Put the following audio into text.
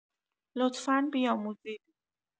لطفا بیاموزید